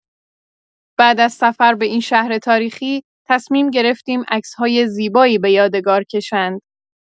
بعد از سفر به این شهر تاریخی، تصمیم گرفتیم عکس‌های زیبایی به یادگار کشند.